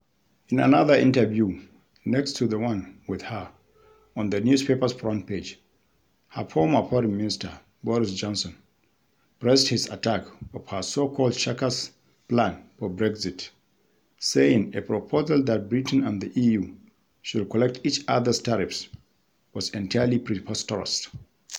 In another interview next to the one with her on the newspaper's front page, her former foreign minister Boris Johnson pressed his attack of her so-called Chequers plan for Brexit, saying a proposal that Britain and the EU should collect each other's tariffs was "entirely preposterous."